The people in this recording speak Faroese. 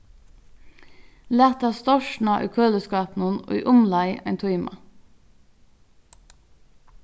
lat tað storkna í køliskápinum í umleið ein tíma